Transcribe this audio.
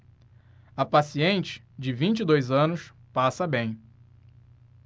a paciente de vinte e dois anos passa bem